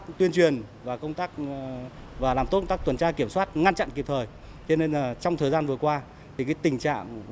tuyên truyền và công tác và và làm tốt công toát tuần tra kiểm soát ngăn chặn kịp thời cho nên là trong thời gian vừa qua thì cái tình trạng